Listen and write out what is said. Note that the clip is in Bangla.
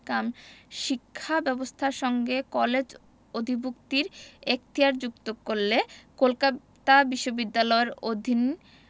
কাম শিক্ষা ব্যবস্থার সঙ্গে কলেজ অধিভুক্তির এখতিয়ার যুক্ত করলে কলকাতা বিশ্ববিদ্যালয়ের অধীন